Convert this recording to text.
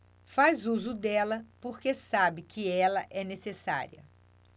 faz uso dela porque sabe que ela é necessária